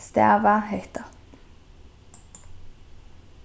stava hetta